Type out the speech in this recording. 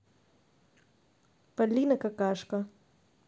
полина какашка